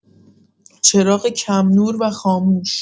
چراغ کم‌نور و خاموش